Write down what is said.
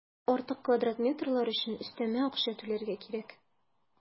Ә артык квадрат метрлар өчен өстәмә акча түләргә кирәк.